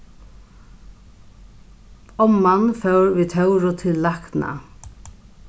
omman fór við tóru til lækna